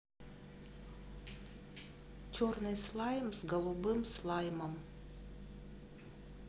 черный слайм с голубым слаймом